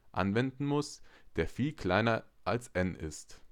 anwenden muss, der viel kleiner als n {\ displaystyle n} ist